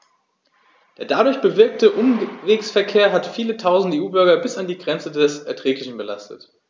Der dadurch bewirkte Umwegsverkehr hat viele Tausend EU-Bürger bis an die Grenze des Erträglichen belastet.